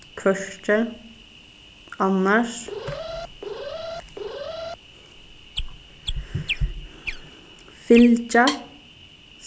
hvørki annars fylgja